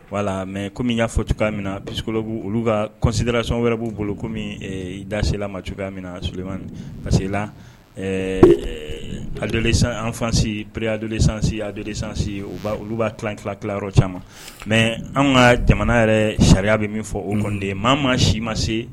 Wala mɛ kɔmi y'a fɔ tu cogoya'a min na pkolo olu ka kɔnsidirasɔn wɛrɛ b'u bolo kɔmi dasila ma tuka minɛ na suurma parcesila alidu anfasiere-dulsansidursansi u olu b' kilan ki kiyɔrɔ caman mɛ an ka jamana yɛrɛ sariya bɛ min fɔ o koden maa ma si ma se